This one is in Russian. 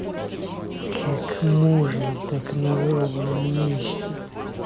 как можно так на ровном месте